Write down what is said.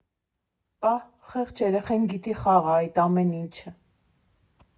Պա՜հ, խեղճ երեխեն գիտի թե խաղ ա էդ ամեն ինչ։